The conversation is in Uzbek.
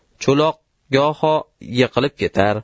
cho'loq goho yiqilib ketar